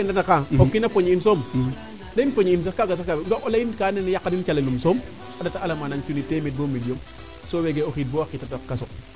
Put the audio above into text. a kama keene de naqaa o kiina poñe in soom leyiim poñe in soom sax nda o leyin kaa ando naye yaqanin calel um soom a ndata alamende ang cunni temeen bo million soo wegel o xiid boxa qiid xa tadaq kaso